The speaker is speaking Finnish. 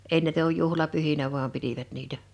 ei näitä kun juhlapyhinä vain pitivät niitä